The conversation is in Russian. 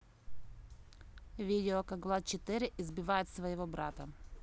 видео как влад четыре избивает своего брата